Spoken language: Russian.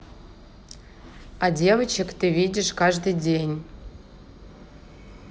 а девочек ты видишь каждый день